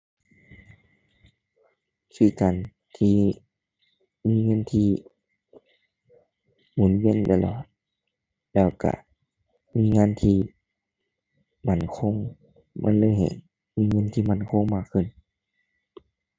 คือการที่มีเงินที่หมุนเวียนนั่นแหล้ว แล้วก็มีเงินที่มั่นคง มันเลยให้มีเงินที่มั่นคงมากขึ้น